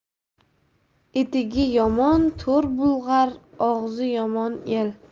etigi yomon to'r bulg'ar og'zi yomon el